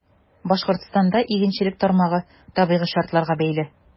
Башкортстанда игенчелек тармагы табигый шартларга бәйле.